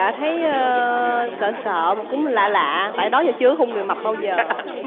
dạ thấy sợ sợ cũng lạ lạ tại đó giờ chưa có hôn người mập bao giờ